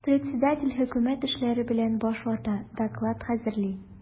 Председатель хөкүмәт эшләре белән баш вата, доклад хәзерли.